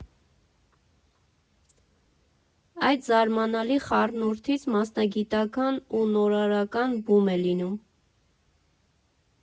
Այդ զարմանալի խառնուրդից մասնագիտական ու նորարարական բում է լինում։